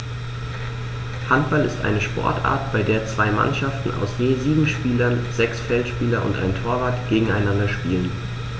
Handball ist eine Sportart, bei der zwei Mannschaften aus je sieben Spielern (sechs Feldspieler und ein Torwart) gegeneinander spielen.